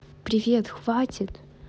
привет хватит